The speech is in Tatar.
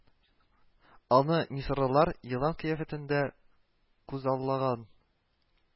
Аны мисырлылар елан кыяфәтендә күзаллаган